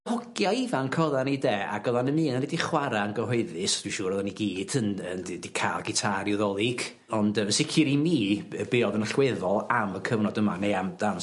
Hogia ifanc oddan ni 'de ac o'dd 'na'm un o ni 'di chwara' yn gyhoeddus dwi siŵr oddon ni gyd yn yn di 'di ca'l gitar i Ddolig ond yy fy sicir i mi b- yy be' o'dd yn allweddol am y cyfnod yma neu amdan...